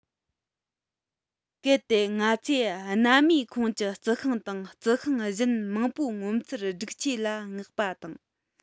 གལ ཏེ ང ཚོས སྣ མའི ཁོངས ཀྱི རྩི ཤིང དང རྩི ཤིང གཞན མང པོའི ངོ མཚར སྒྲིག ཆས ལ བསྔགས པ དང